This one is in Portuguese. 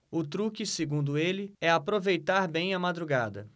o truque segundo ele é aproveitar bem a madrugada